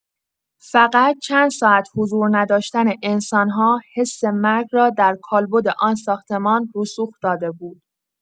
فقط چند ساعت حضورنداشتن انسان‌ها حس مرگ را در کالبد آن ساختمان رسوخ داده بود.